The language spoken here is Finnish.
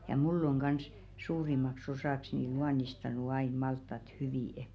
ja minulla on kanssa suurimmaksi osaksi niin luonnistanut aina maltaat hyvin